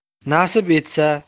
nasib etsa